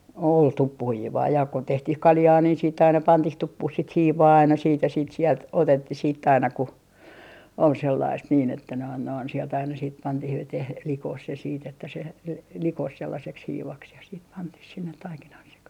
oli tuppuhiivaa ja kun tehtiin kaljaa niin sitten aina pantiin tuppuun sitä hiivaa aina sitten ja sitten sieltä otettiin sitten aina kun oli sellaista niin että noin noin sieltä aina sitten pantiin veteen likoon se sitten että se -- likosi sellaiseksi hiivaksi ja sitten pantiin sinne taikinan sekaan